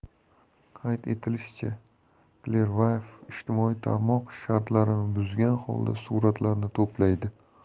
qayd etilishicha clearview ijtimoiy tarmoq shartlarini buzgan holda suratlarni to'playdi